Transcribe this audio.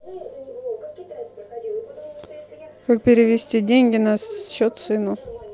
как перевести деньги на счет сыну